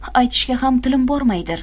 aytishga ham tilim bormaydir